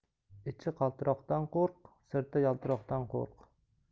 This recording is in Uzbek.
ichi qaltiroqdan qo'rq sirti yaltiroqdan qo'rq